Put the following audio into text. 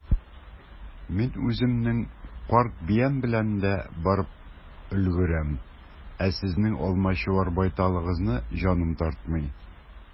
Мин үземнең карт биям белән дә барып өлгерәм, ә сезнең алмачуар байталыгызны җаным тартмый.